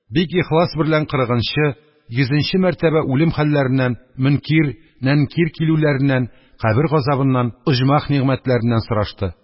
Бик ихлас берлән кырыгынчы, йөзенче мәртәбә үлем хәлләреннән, Мөнкир, Нәнкир килүләреннән, кабер газабыннан, оҗмах нигъмәтләреннән сорашты.